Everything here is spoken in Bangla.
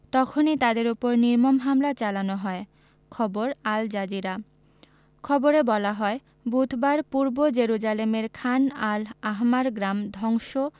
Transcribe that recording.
তখনই তাদের ওপর নির্মম হামলা চালানো হয় খবর আল জাজিরা খবরে বলা হয় বুধবার পূর্ব জেরুজালেমের খান আল আহমার গ্রাম ধ্বংস